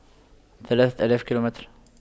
ثلاثة آلاف كيلومتر